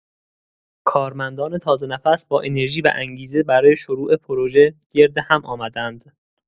کارمندان تازه‌نفس با انرژی و انگیزه برای شروع پروژه گرد هم آمدند.